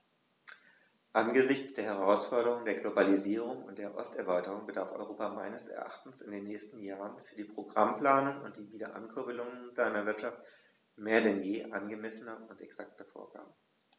Angesichts der Herausforderung der Globalisierung und der Osterweiterung bedarf Europa meines Erachtens in den nächsten Jahren für die Programmplanung und die Wiederankurbelung seiner Wirtschaft mehr denn je angemessener und exakter Vorgaben.